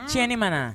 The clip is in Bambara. Cɛni mana